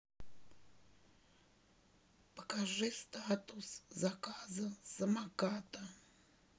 покажи статус заказа самоката